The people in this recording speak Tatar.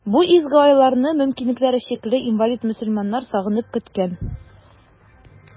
Бу изге айларны мөмкинлекләре чикле, инвалид мөселманнар сагынып көткән.